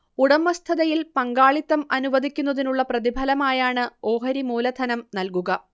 ഉടമസ്ഥതയിൽ പങ്കാളിത്തം അനുവദിക്കുന്നതിനുള്ള പ്രതിഫലമായാണ് ഓഹരി മൂലധനം നൽകുക